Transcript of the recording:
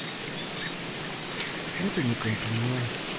это не комплимент